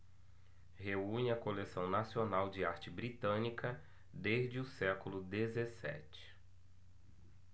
reúne a coleção nacional de arte britânica desde o século dezessete